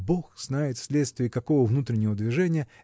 бог знает вследствие какого внутреннего движения